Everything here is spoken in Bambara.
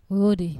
O y'o de ye